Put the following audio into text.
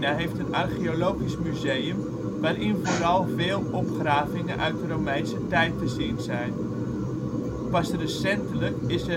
heeft een archeologisch museum waarin vooral veel opgravingen uit de Romeinse tijd te zien zijn. Pas recentelijk is